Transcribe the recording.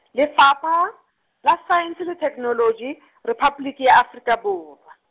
Lefapha, la Saense le Theknoloji, Rephaboliki ya Afrika Borwa.